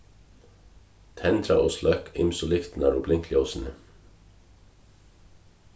tendra og sløkk ymsu lyktirnar og blinkljósini